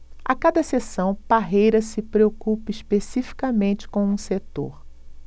a cada sessão parreira se preocupa especificamente com um setor